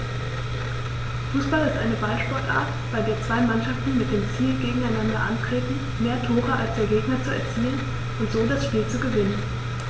Fußball ist eine Ballsportart, bei der zwei Mannschaften mit dem Ziel gegeneinander antreten, mehr Tore als der Gegner zu erzielen und so das Spiel zu gewinnen.